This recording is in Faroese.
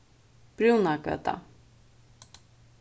brúnagøta